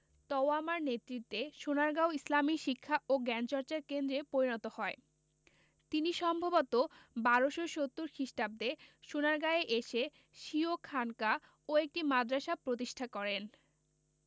তওয়ামার নেতৃত্বে সোনারগাঁও ইসলামি শিক্ষা ও জ্ঞানচর্চার কেন্দ্রে পরিণত হয় তিনি সম্ভবত ১২৭০ খ্রিস্টাব্দে সোনারগাঁয়ে এসে স্বীয় খানকা ও একটি মাদ্রাসা প্রতিষ্ঠা করেন